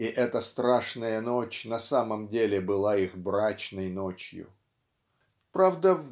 и эта страшная ночь на самом деле была их брачной ночью. Правда